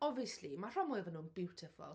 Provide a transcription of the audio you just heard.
Obviously, mae'r rhan mwyaf ohonyn nhw yn beautiful.